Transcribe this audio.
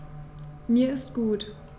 Mir ist gut.